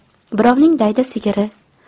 birovning daydi sigiri